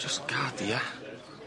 Jyst gad i ia?